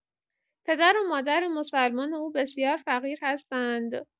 پدر و مادر مسلمان او بسیار فقیر هستند.